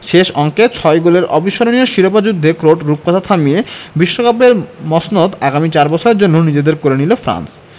শেষ অঙ্কে ছয় গোলের অবিস্মরণীয় শিরোপা যুদ্ধে ক্রোট রূপকথা থামিয়ে বিশ্বকাপের মসনদ আগামী চার বছরের জন্য নিজেদের করে নিল ফ্রান্স